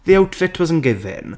The outfit wasn't giving.